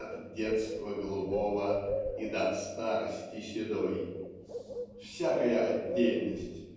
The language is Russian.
от "детства голубого" и до "старости седой". Всякая отдельность